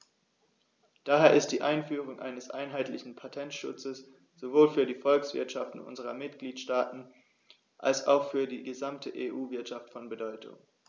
Daher ist die Einführung eines einheitlichen Patentschutzes sowohl für die Volkswirtschaften unserer Mitgliedstaaten als auch für die gesamte EU-Wirtschaft von Bedeutung.